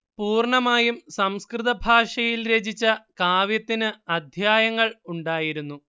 പൂർണ്ണമായും സംസ്കൃതഭാഷയിൽ രചിച്ച കാവ്യത്തിനു അദ്ധ്യായങ്ങൾ ഉണ്ടായിരുന്നു